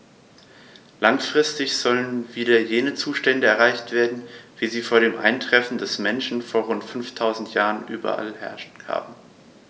Langfristig sollen wieder jene Zustände erreicht werden, wie sie vor dem Eintreffen des Menschen vor rund 5000 Jahren überall geherrscht haben.